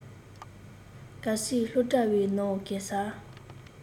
གལ སྲིད སློབ གྲྭའི ནང གེ སར